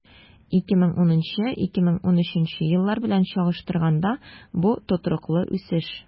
2010-2013 еллар белән чагыштырганда, бу тотрыклы үсеш.